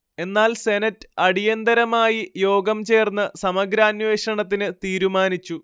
എന്നാൽ സെനറ്റ് അടിയന്തരമായി യോഗം ചേർന്ന് സമഗ്രാന്വേഷണത്തിന് തീരുമാനിച്ചു